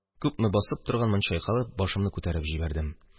Күпме басып торганмын, чайкалып, башымны күтәреп җибәрдем.